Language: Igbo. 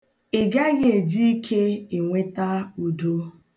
Ị gaghị eji ike enweta udo.